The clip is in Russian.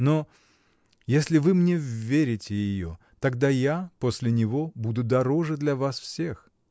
Но. если вы мне вверите ее, тогда я, после него, буду дороже для вас всех.